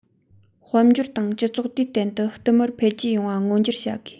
དཔལ འབྱོར དང སྤྱི ཚོགས དུས གཏན དུ བསྟུད མར འཕེལ རྒྱས ཡོང བ མངོན འགྱུར བྱ དགོས